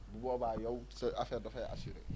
bu boobaa yow sa affaire dafay assuré